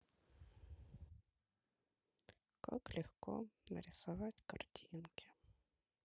как легко нарисовать картинки